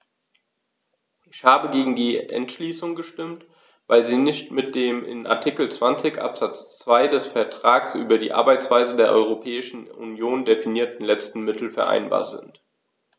Ich habe gegen die Entschließung gestimmt, weil sie nicht mit dem in Artikel 20 Absatz 2 des Vertrags über die Arbeitsweise der Europäischen Union definierten letzten Mittel vereinbar ist.